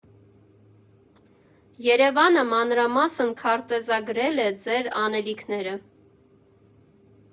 ԵՐԵՎԱՆը մանրամասն քարտեզագրել է ձեր անելիքները։